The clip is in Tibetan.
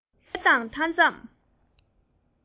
མེས རྒྱལ དང མཐའ མཚམས